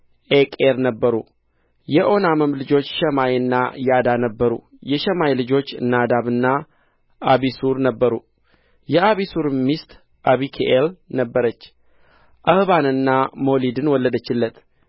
ዔቄር ነበሩ የኦናምም ልጆች ሸማይና ያዳ ነበሩ የሸማይ ልጆች ናዳብና አቢሱር ነበሩ የአቢሱርም ሚስት አቢካኢል ነበረች አሕባንንና ሞሊድን ወለደችለት